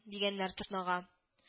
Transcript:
- дигәннәр торнага